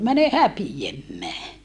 mene häpeämään